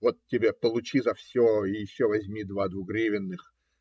Вот тебе, получи за все и еще возьми два двугривенных.